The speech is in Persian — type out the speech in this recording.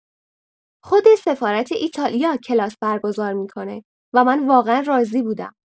خود سفارت ایتالیا کلاس برگزار می‌کنه و من واقعا راضی بودم.